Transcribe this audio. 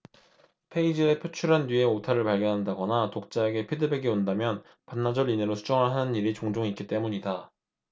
페이지에 표출한 뒤에 오타를 발견한다거나 독자에게 피드백이 온다면 반나절 이내로 수정을 하는 일이 종종 있기 때문이다